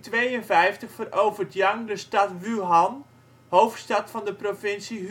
1852 verovert Yang de stad Wuhan, hoofdstad van de provincie